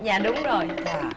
dạ đúng rồi